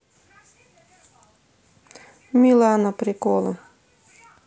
милана приколы